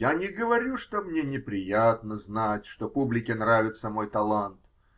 Я не говорю, что мне неприятно знать, что публике нравится мой талант.